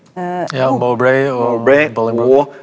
ja Mowbray og Bullingbrook.